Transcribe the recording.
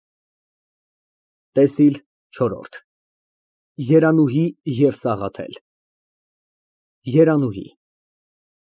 ՏԵՍԻԼ ՉՈՐՈՐԴ ԵՐԱՆՈՒՀԻ ԵՎ ՍԱՂԱԹԵԼ ԵՐԱՆՈՒՀԻ ֊